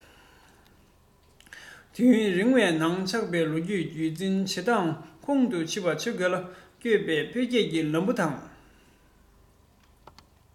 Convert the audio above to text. དུས ཡུན རིང པོའི ནང ཆགས པའི ལོ རྒྱུས རྒྱུན འཛིན བྱེད སྟངས ཁོང དུ ཆུད པ བྱེད དགོས ལ བསྐྱོད པའི འཕེལ རྒྱས ཀྱི ལམ བུ དང